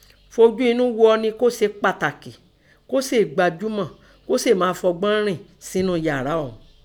Fojú innú gho ọnì kàn kọ́ se pàtàkì kọ́ sèè gbajúmọ̀ kọ́ sè é máa fọgbọ́n rìn sẹ́nú yàrá ọ̀ún.